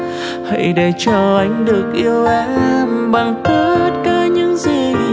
hãy để cho anh được yêu em bằng tất cả những gì